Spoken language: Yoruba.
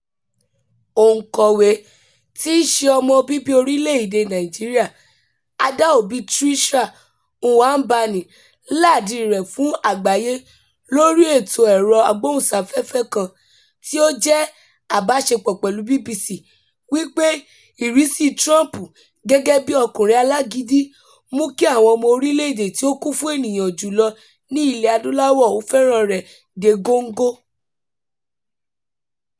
Òǹkọ̀wé tí í ṣe ọmọ bíbí orílẹ̀-èdèe Nàìjíríà Adaobi Tricia Nwaubani làdíi rẹ̀ fún àgbáyé lórí ètò ẹ̀rọ agbóhùnsáfẹ́fẹ́ kan tí ó jẹ́ àbáṣepọ̀ pẹ̀lú BBC, wípé ìrísíi Trump gẹ́gẹ́ bí "ọkùnrin alágídí" mú kí àwọn ọmọ orílẹ̀-èdè tí ó kún fún ènìyàn jù lọ ní Ilẹ̀-Adúláwọ̀ ó fẹ́ràn-an rẹ̀ dé góńgó: